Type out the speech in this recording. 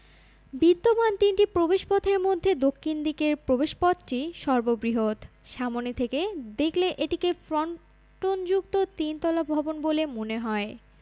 বিদ্যমান তিনটি প্রবেশপথের মধ্যে দক্ষিণ দিকের প্রবেশপথটি সর্ববৃহৎ সামনে থেকে দেখলে এটিকে ফ্রন্টনযুক্ত তিন তলা ভবন বলে মনে হয়